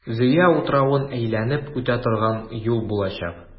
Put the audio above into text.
Зөя утравын әйләнеп үтә торган юл булачак.